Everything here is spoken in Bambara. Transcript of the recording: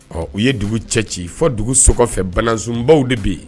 Ɔ u ye dugu cɛci fɔ dugu so kɔfɛ banansunbaw de be ye